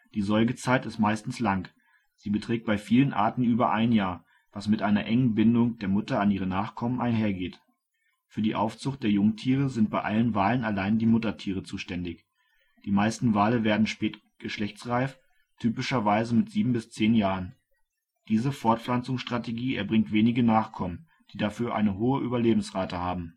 Die Säugezeit ist meistens lang, sie beträgt bei vielen Arten über ein Jahr, was mit einer engen Bindung der Mutter an ihre Nachkommen einhergeht. Für die Aufzucht der Jungtiere sind bei allen Walen allein die Muttertiere zuständig. Die meisten Wale werden spät geschlechtsreif, typischerweise mit sieben bis zehn Jahren. Diese Fortpflanzungsstrategie erbringt wenige Nachkommen, die dafür eine hohe Überlebensrate haben